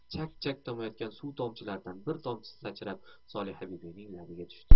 chak chak tomayotgan suv tomchilaridan bir tomchisi sachrab solihabibining labiga tushdi